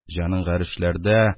Җаның гарешләрдә,